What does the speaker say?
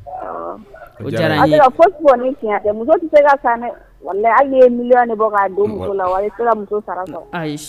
Mi muso